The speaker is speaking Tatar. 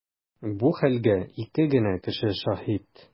Бу хәлгә ике генә кеше шаһит.